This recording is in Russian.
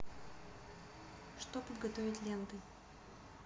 что подготовить ленты